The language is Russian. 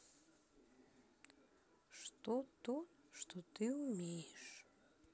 что то что ты умеешь